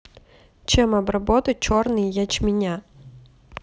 чем обработать черный ячменя